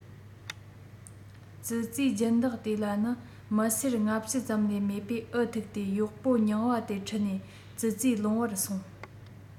ཙི ཙིའི སྦྱིན བདག དེ ལ ནི མི སེར ལྔ བཅུ ཙམ ལས མེད པས འུ ཐུག སྟེ གཡོག པོ རྙིང པ དེ ཁྲིད ནས ཙི ཙིའི ལུང པར སོང